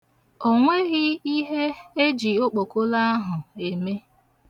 Onweghị ihe eji okpokolo ahụ eme.